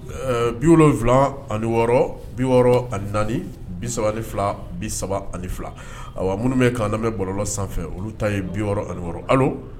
Ɛɛ 76 64 32 32 awaa minnu bɛ k'an namɛ bɔlɔlɔ sanfɛ olu ta ye 66 Allo